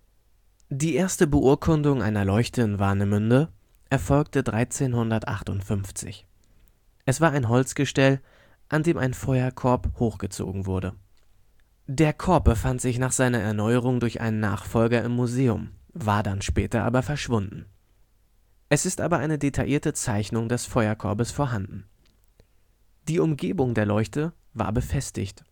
Die erste Beurkundung einer Leuchte in Warnemünde erfolgte 1358, es war ein Holzgestell, an dem ein Feuerkorb hochgezogen wurde. Der Korb befand sich nach seiner Erneuerung durch einen Nachfolger im Museum, war dann später aber verschwunden. Es ist aber eine detaillierte Zeichnung des Feuerkorbes vorhanden. Die Umgebung der Leuchte war befestigt